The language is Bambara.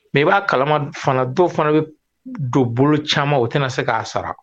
Mɛ i b'a kala dɔw fana bɛ don bolo caman o tɛna se k'a sara